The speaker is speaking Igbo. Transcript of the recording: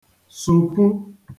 sụ̀pu